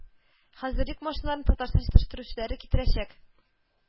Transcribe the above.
Хәзер йөк машиналарын Татарстан җитештерүчеләре китерәчәк